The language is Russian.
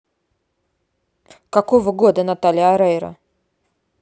какого года наталья орейро